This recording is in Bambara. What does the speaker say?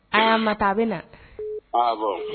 Ayi a ma taa a bɛ na ah bon